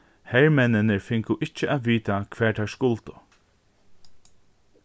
hermenninir fingu ikki at vita hvar teir skuldu